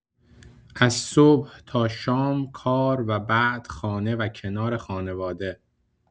از صبح تا شام کار و بعد خانه و کنار خانواده.